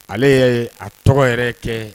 Ale' a tɔgɔ yɛrɛ kɛ